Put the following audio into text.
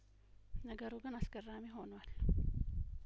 ነገሩ ግን አስገራሚ ሆኗል